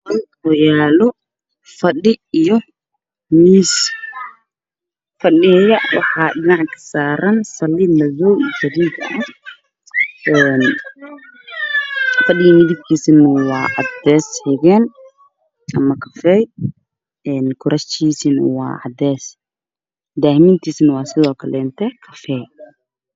Meeshaan waxaa yaalla fadhi yo miis ka waxaa dhinac ka saaran alaab